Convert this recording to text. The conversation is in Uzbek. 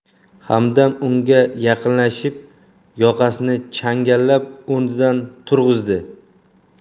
hamdam unga yaqinlashib yoqasini changallab o'rnidan turg'izdi